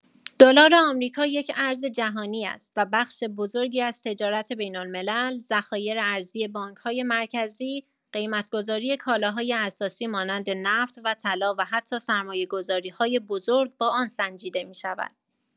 دلار آمریکا یک ارز جهانی است و بخش بزرگی از تجارت بین‌الملل، ذخایر ارزی بانک‌های مرکزی، قیمت‌گذاری کالاهای اساسی مانند نفت و طلا و حتی سرمایه‌گذاری‌های بزرگ با آن سنجیده می‌شود.